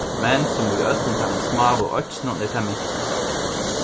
men sum í øllum teimum smáu oyggjunum er tað minkað